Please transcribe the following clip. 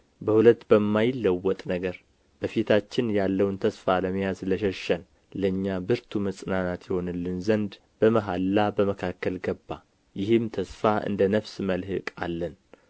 በሁለት በማይለወጥ ነገር በፊታችን ያለውን ተስፋ ለመያዝ ለሸሸን ለእኛ ብርቱ መጽናናት ይሆንልን ዘንድ በመሓላ በመካከል ገባ ይህም ተስፋ እንደ ነፍስ መልሕቅ አለን